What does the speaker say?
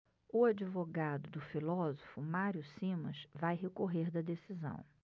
o advogado do filósofo mário simas vai recorrer da decisão